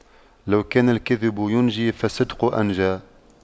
لو كان الكذب ينجي فالصدق أنجى